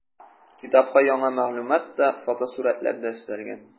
Китапка яңа мәгълүмат та, фотосурәтләр дә өстәлгән.